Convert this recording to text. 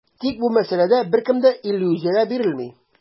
Тик бу мәсьәләдә беркем дә иллюзиягә бирелми.